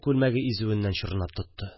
Күлмәге изүеннән чорнап тотты